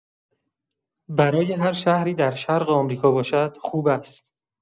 برای هر شهری در شرق آمریکا باشد، خوب است.